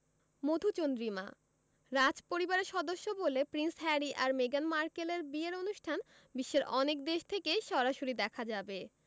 মধুচন্দ্রিমা রাজপরিবারের সদস্য বলে প্রিন্স হ্যারি আর মেগান মার্কেলের বিয়ের অনুষ্ঠান বিশ্বের অনেক দেশ থেকেই সরাসরি দেখা যাবে